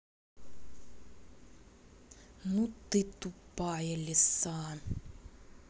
ну ты тупая лиса